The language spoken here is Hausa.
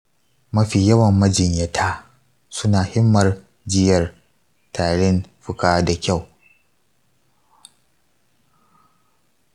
mafi yawan majiyyata suna himmar jiyar tarin fuka da kyau.